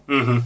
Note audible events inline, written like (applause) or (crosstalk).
(hesitation) (hesitation)